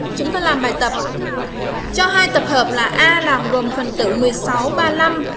chúng ta làm bài tập cho hai tập hợp là gồm phần tử